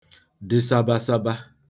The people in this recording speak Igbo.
dị sābāsābā